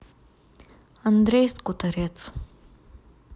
андрей скуторец